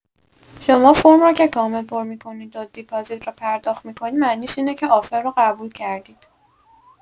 شما فرم رو که کامل پر می‌کنید و دپازیت رو پرداخت می‌کنید معنیش اینه که آفر رو قبول کردید.